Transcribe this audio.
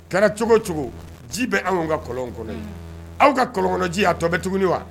Kɛra cogo cogo ji bɛ anwanw ka kɔlɔn kɔnɔ aw ka kɔlɔn kɔnɔji a tɔ bɛ tuguni wa